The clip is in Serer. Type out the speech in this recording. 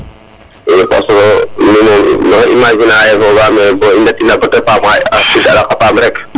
i parce que mene maxey imaginer aye bo i ndet ina bata paam rek